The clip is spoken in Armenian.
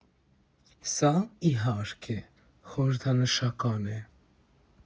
Սա, իհարկե, խորհրդանշական է.